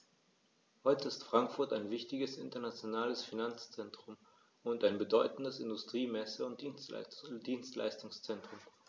Heute ist Frankfurt ein wichtiges, internationales Finanzzentrum und ein bedeutendes Industrie-, Messe- und Dienstleistungszentrum.